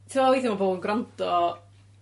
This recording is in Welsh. bobol yn grando